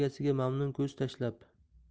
egasiga mamnun ko'z tashlab